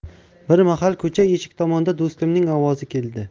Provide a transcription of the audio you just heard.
bir mahal ko'cha eshik tomonda do'stimning ovozi keldi